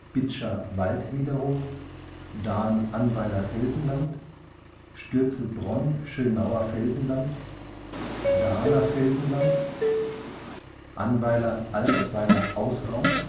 Bitscher Waldniederung Dahn-Annweiler Felsenland Stürzelbronn-Schönauer Felsenland (bis 581 m) Dahner Felsenland (bis 577 m) Dahner Felsenland im engeren Sinne Annweiler Felsenland Annweiler-Albersweiler-Ausraum